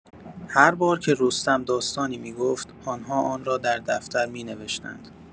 هر بار که رستم داستانی می‌گفت، آن‌ها آن را در دفتر می‌نوشتند.